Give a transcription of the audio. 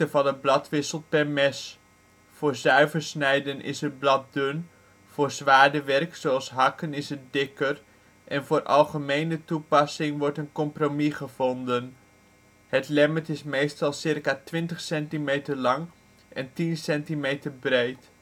van het blad wisselt per mes, voor zuiver snijden is het blad dun, voor zwaarder werk zoals hakken is het dikker, en voor algemene toepassing wordt er een compromis gevonden. Het lemmet is meestal ca 20 cm lang en 10 cm breed